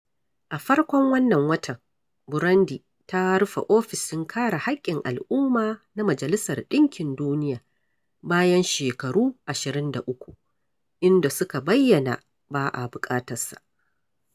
A farkon wannan watan, Burundi ta rufe ofishin kare haƙƙin al'umma na Majalisar ɗinkin Duniya bayan shekaru 23, inda suka bayyana ba a buƙatarsa.